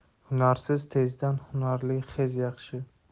hunarsiz tezdan hunarli xez yaxshi